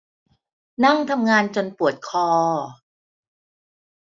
นั่งทำงานจนปวดคอ